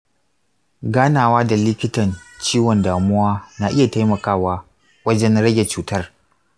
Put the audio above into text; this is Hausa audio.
ganawa da likitan ciwon damuwa na iya taimakawa wajan rage cutar.